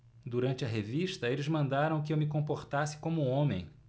durante a revista eles mandaram que eu me comportasse como homem